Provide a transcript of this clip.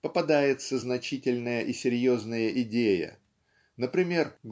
попадается значительная и серьезная идея например